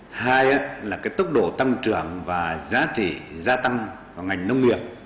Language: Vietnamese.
hai á là cái tốc độ tăng trưởng và giá trị gia tăng và ngành nông nghiệp